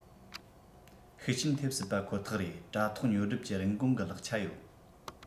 ཤུགས རྐྱེན ཐེབས སྲིད པ ཁོ ཐག རེད དྲ ཐོག ཉོ སྒྲུབ ཀྱི རིན གོང གི ལེགས ཆ ཡོད